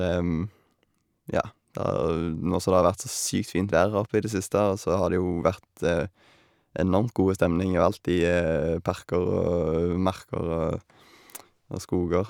Ja, nå som det har vært så sykt fint vær her oppe i det siste, og så har det jo vært enormt god stemning overalt i parker og marker og og skoger.